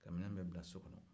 ka minɛn bɛɛ bila so kɔnɔ